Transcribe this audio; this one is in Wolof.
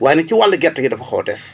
waaye nag ci wàllu gerte gi dafa xaw a des